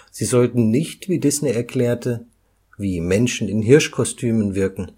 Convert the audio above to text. Sie sollten nicht, wie Disney erklärte, „ wie Menschen in Hirsch-Kostümen wirken